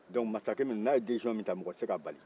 dɔnc masakɛ min n'a ye decision min ta mɔgɔ tɛ se ka bali